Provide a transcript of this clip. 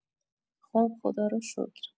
خب خدارو شکر